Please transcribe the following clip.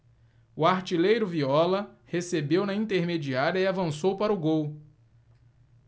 o artilheiro viola recebeu na intermediária e avançou para o gol